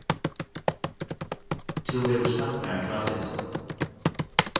tú hevur sagt mær frá hesum